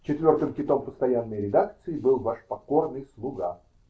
Четвертым китом постоянной редакции был ваш покорный слуга.